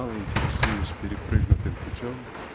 мало интересуясь перепрыгнутым путем